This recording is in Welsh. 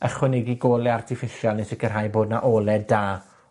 ychwanegu goleu artiffisial i sicirhau bo' 'na ole da